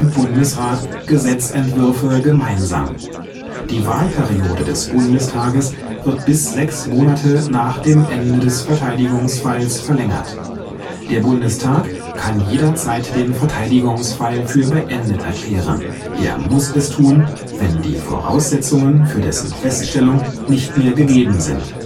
Bundesrat Gesetzentwürfe gemeinsam. Die Wahlperiode des Bundestages wird bis sechs Monate nach dem Ende des Verteidigungsfalls verlängert. Der Bundestag kann jederzeit den Verteidigungsfall für beendet erklären, er muss es tun, wenn die Voraussetzungen für dessen Feststellung nicht mehr gegeben sind